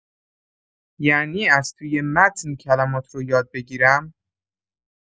یعنی از توی متن کلماتو یاد بگیرم؟